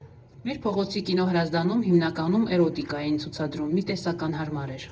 Մեր փողոցի կինո «Հրազդանում» հիմնականում էրոտիկա էին ցուցադրում, մի տեսակ անհարմար էր։